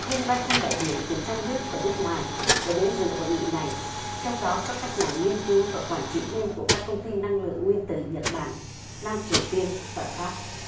hơn ba trăm đại biểu từ trong nước và nước ngoài đã đến dự hội nghị này trong đó có các nhà nghiên cứu và quản trị viên của các công ty năng lượng nguyên tử nhật bản nam triều tiên và pháp